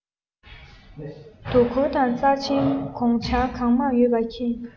དོ ཁུར དང རྩ ཆེན དགོངས ཆར གང མང ཡོད པ མཁྱེན